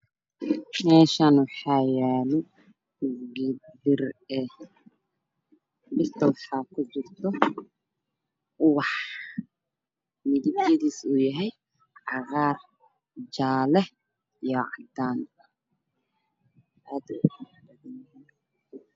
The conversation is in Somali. Meeshaan waxaa yaalo ubax ku jirto midabyadiis yihiin cagaar caddaan saaran miis